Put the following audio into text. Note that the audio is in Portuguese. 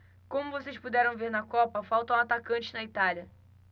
como vocês puderam ver na copa faltam atacantes na itália